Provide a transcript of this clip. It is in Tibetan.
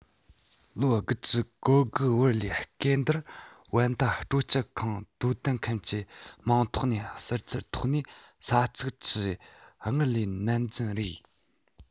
ལོ ༩༩ བར ལོའི སྐབས དེར དབན ཏ སྤྲོ སྐྱིད ཁང དོ དམ མཁན གྱི མིང ཐོག ནས ཟུར ཚད ཐོག ནས ས ཚིགས ཀྱི སྔར ལས ནན ཙམ རེད